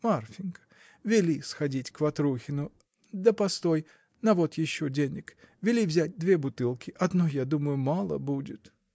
— Марфинька, вели сходить к Ватрухину, да постой, на вот еще денег, вели взять две бутылки: одной, я думаю, мало будет.